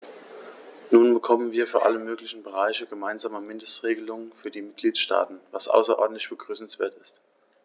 Nun bekommen wir für alle möglichen Bereiche gemeinsame Mindestregelungen für die Mitgliedstaaten, was außerordentlich begrüßenswert ist.